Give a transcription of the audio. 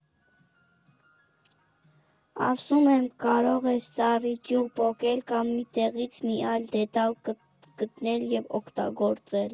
Ասում եմ ՝ կարող ես ծառի ճյուղ պոկել, կամ մի տեղից մի այլ դետալ գտնել և օգտագործել։